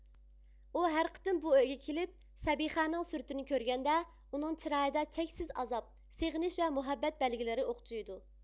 ئۇ ھەر قېتىم بۇ ئۆيگە كېلىپ سەبىخەنىڭ سۈرىتىنى كۆرگەندە ئۇنىڭ چىرايىدا چەكسىز ئازاب سېغىنىش ۋە مۇھەببەت بەلگىلىرى ئوقچۇيدۇ